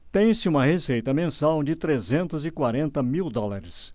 tem-se uma receita mensal de trezentos e quarenta mil dólares